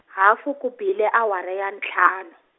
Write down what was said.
hafu ku bile awara ya ntlhanu.